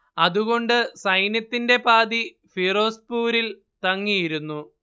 അതുകൊണ്ട് സൈന്യത്തിന്റെ പാതി ഫിറോസ്പൂരിൽ തങ്ങിയിരുന്നു